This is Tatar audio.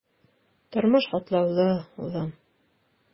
Тормыш катлаулы, улым.